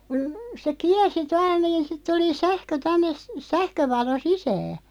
kun se kiersi tuolla niin sitten tuli sähkö tänne - sähkövalo sisään